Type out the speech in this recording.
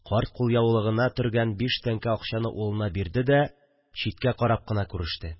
Карт кулъяулыгына төргән биш тәңкә акчаны улына бирде дә, читкә карап кына күреште